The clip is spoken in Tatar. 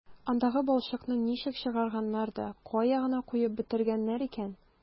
Андагы балчыкны ничек чыгарганнар да кая гына куеп бетергәннәр икән...